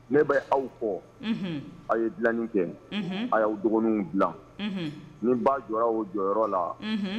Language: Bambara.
Ne' aw kɔ aw ye dila kɛ a y'aw dɔgɔninw dila ni b baa jɔ o jɔyɔrɔyɔrɔ la